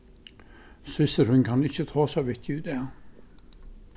systir tín kann ikki tosa við teg í dag